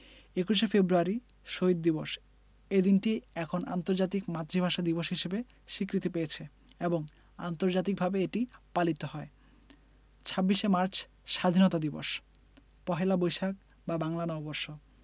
২১শে ফেব্রুয়ারি শহীদ দিবস এই দিনটি এখন আন্তর্জাতিক মাতৃভাষা দিবস হিসেবে স্বীকৃতি পেয়েছে এবং আন্তর্জাতিকভাবে এটি পালিত হয় ২৬শে মার্চ স্বাধীনতা দিবস পহেলা বৈশাখ বা বাংলা নববর্ষ